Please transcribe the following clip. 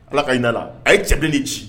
Ala ka hinɛ la a ye cɛb ni ci